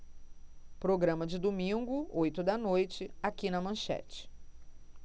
programa de domingo oito da noite aqui na manchete